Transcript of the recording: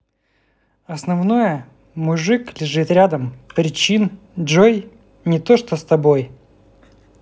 основное мужик лежит рядом причин джой не то что с тобой